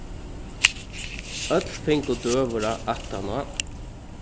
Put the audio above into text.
øll fingu døgurða aftaná